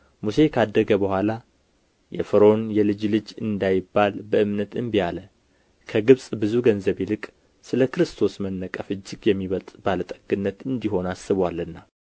ሙሴ ካደገ በኋላ የፈርዖን የልጅ ልጅ እንዳይባል በእምነት እምቢ አለ ከግብፅም ብዙ ገንዘብ ይልቅ ስለ ክርስቶስ መነቀፍ እጅግ የሚበልጥ ባለ ጠግነት እንዲሆን አስቦአልና